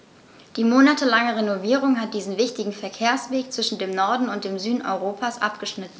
Die monatelange Renovierung hat diesen wichtigen Verkehrsweg zwischen dem Norden und dem Süden Europas abgeschnitten.